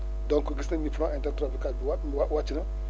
donc gis nañ ni flanc intertropical bi wa wa wàcc na